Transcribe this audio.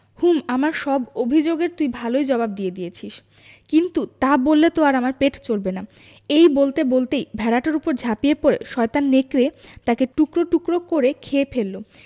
হুম আমার সব অভিযোগ এর তুই ভালই জবাব দিয়ে দিয়েছিস কিন্তু তা বললে তো আর আমার পেট চলবে না এই বলতে বলতেই ভেড়াটার উপর ঝাঁপিয়ে পড়ে শয়তান নেকড়ে তাকে টুকরো টুকরো করে খেয়ে ফেলল